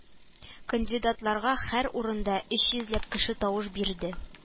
Кандидатларга һәр урында өч йөз ләп кеше тавыш бирде